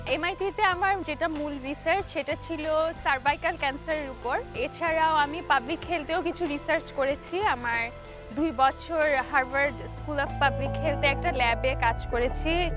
M I T তে আমার যেটা মূল রিসার্চ সেটা ছিল সার্ভাইক্যাল ক্যানসার এর উপর এছাড়া আমি পাবলিক হেলথে ও কিছু রিসার্চ করেছি আমার দুই বছর Harvard school of public health এ একটা ল্যাবে কাজ করেছি